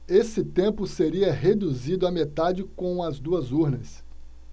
esse tempo seria reduzido à metade com as duas urnas